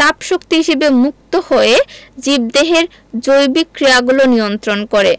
তাপ শক্তি হিসেবে মুক্ত হয়ে জীবদেহের জৈবিক ক্রিয়াগুলো নিয়ন্ত্রন করে